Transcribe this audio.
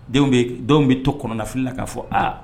Denw bɛ to kɔnɔnafili k'a fɔ aa